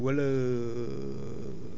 mais bu dee dugub la